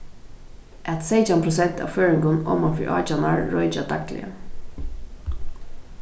at seytjan prosent av føroyingum oman fyri átjan ár roykja dagliga